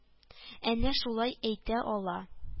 Әнә шулай әйтә ала